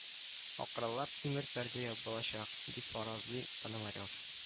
Акрынлап тимер пәрдә ябылачак дип фаразлый пономарев